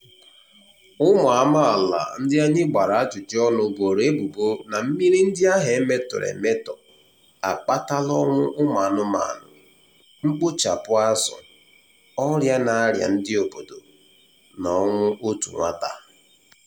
Ụmụ amaala ndị anyị gbara ajụjụọnụ boro ebubo na mmiri ndị ahụ e metọrọ emetọ akpatala ọnwụ ụmụanụmanụ, mkpochapụ azụ, ọrịa na-arịa ndị obodo, na ọnwụ otu nwata.